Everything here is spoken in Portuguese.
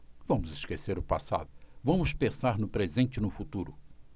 vamos esquecer o passado vamos pensar no presente e no futuro